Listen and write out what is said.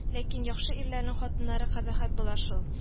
Ләкин яхшы ирләрнең хатыннары кабахәт була шул